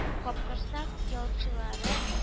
Капкорсак ялчылары